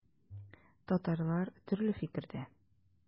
Татарлар төрле фикердә.